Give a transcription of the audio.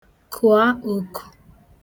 kụ̀a òkù